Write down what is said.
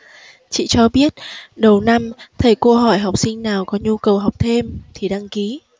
chị cho biết đầu năm thầy cô hỏi học sinh nào có nhu cầu học thêm thì đăng ký